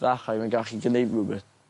fachlai fi'n gallu gneud rwbeth.